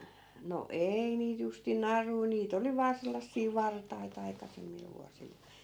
no ei niitä justiin naruja niitä oli vain sellaisia vartaita aikaisemmilla vuosilla